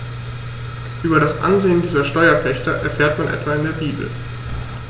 Über das Ansehen dieser Steuerpächter erfährt man etwa in der Bibel.